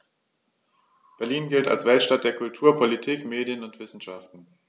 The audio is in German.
Berlin gilt als Weltstadt der Kultur, Politik, Medien und Wissenschaften.